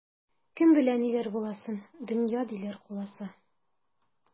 Кем белә ниләр буласын, дөнья, диләр, куласа.